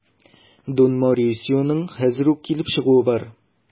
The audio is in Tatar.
Дон Морисионың хәзер үк килеп чыгуы бар.